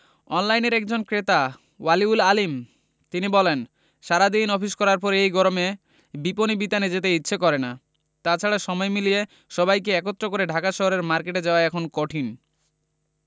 অনলাইনের একজন ক্রেতা ওয়ালি উল আলীম তিনি বলেন সারা দিন অফিস করার পর এই গরমে বিপণিবিতানে যেতে ইচ্ছে করে না তা ছাড়া সময় মিলিয়ে সবাইকে একত্র করে ঢাকা শহরের মার্কেটে যাওয়া এখন কঠিন